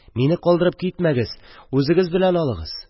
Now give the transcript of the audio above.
Мине калдырып китмәгез, үзегез белән алыгыз